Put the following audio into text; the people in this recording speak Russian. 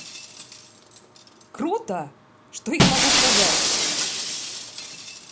круто что я могу сказать